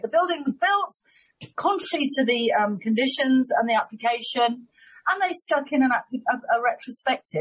The building was built contrary to the erm conditions and the application, and they stuck in an ap- a- a retrospective.